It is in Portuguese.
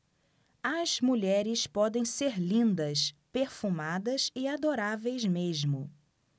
as mulheres podem ser lindas perfumadas e adoráveis mesmo